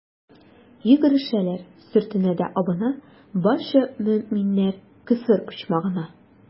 Йөгерешәләр, сөртенә дә абына, барча мөэминнәр «Көфер почмагы»на.